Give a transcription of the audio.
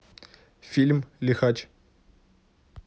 фильм лихач